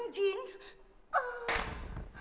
chín a